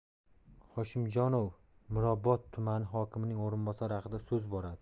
hoshimjonov mirobod tumani hokimining o'rinbosari haqida so'z boradi